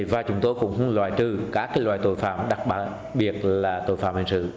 và chúng tôi cũng không loại trừ các loại tội phạm đặc biệt là tội phạm hình sự